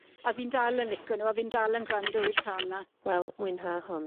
A fi'n dal yn lico nw a fi'n dal yn grando i'r cân 'ma. Mel Mwynha hon...